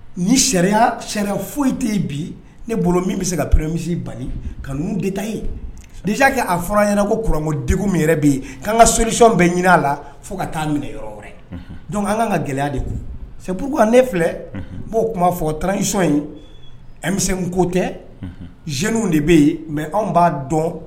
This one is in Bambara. Ni ka bali ka fɔra ɲɛna koko min yɛrɛ bɛ yen' ka sosɔn bɛ a la fo ka' minɛ''an ka gɛlɛya de se ne filɛ b'o kuma fɔsɔn ye emi ko tɛ zw de bɛ yen mɛ anw b'a dɔn